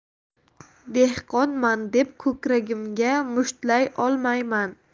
dehqonman deb ko'kragimga mushtlay olmayman